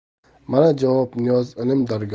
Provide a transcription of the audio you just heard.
mana javob niyoz ilm